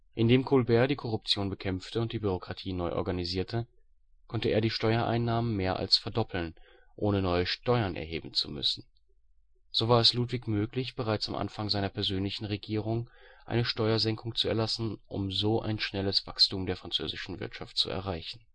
Indem Colbert die Korruption bekämpfte und die Bürokratie neu organisierte, konnte er die Steuereinnahmen mehr als verdoppeln, ohne neue Steuern erheben zu müssen. So war es Ludwig möglich, bereits am Anfang seiner persönlichen Regierung eine Steuersenkung zu erlassen und so ein schnelleres Wachstum der französischen Wirtschaft zu erreichen